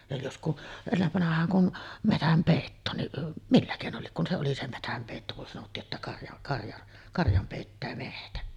ja jos kun ennen vanhaan kun metsänpeittoonkin millä keinolla lie kun se oli se metsänpeitto kun sanottiin että karja karja karjan peittää metsä